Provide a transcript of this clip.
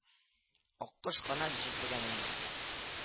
Аккош канат җелпегән